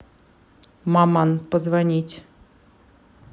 маман позвонить